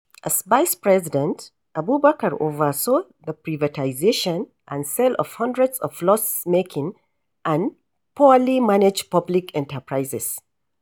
As vice president, Abubakar oversaw the privatization and sale of hundreds of loss-making and poorly managed public enterprises.